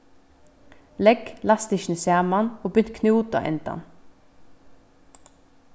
legg lastikkini saman og bint knút á endan